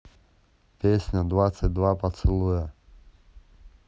песня двадцать два поцелуя